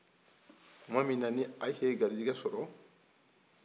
kuma min na ni ayise ye garijɛgɛ sɔrɔ